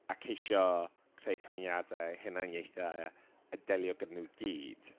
a ceisio creu cymeriadau, hunaniaethau a delio gyda nhw i gyd...